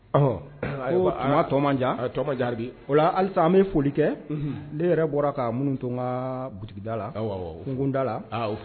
Ɔhɔn. ayiwa ko tuma tɔ man jan. A tɔ man jan. O la halisa an bɛ foli kɛ. Ne yɛrɛ bɔra ka minnu to n kaa boutique da la. Awɔ awɔ. N ka konko da la.lakunda la. Awɔ